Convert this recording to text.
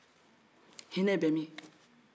hinɛ bɛ min